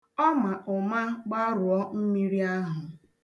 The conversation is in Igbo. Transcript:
Ọ ma ụma gbarụọ mmiri ahụ.